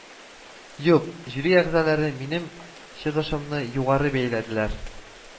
Юк, жюри әгъзалары минем чыгышымны югары бәяләделәр